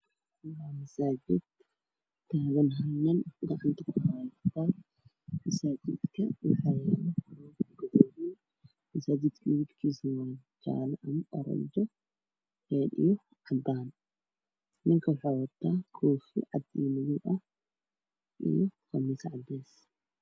Waa masaajid waxaa taagan hal nin oo gacanta kuhaayo kitaab. Masaajidka waxaa yaalo kutubo, masaajidka midabkiisu waa jaale ama oranji iyo cadaan. Ninku waxuu wataa koofi cad iyo madow ah, qamiis cadeys ah.